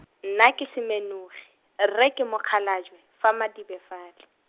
nna ke Semenogi, rre ke Mokgalajwe, fa Madibe fale.